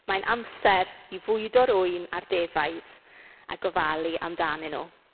Mae'n amser i fwydo'r ŵyn a'r defaid a gofalu amdanyn nhw.